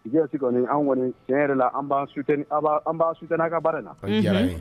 Si kɔni an kɔni tiɲɛ yɛrɛ la an sut an' sut an ka baara la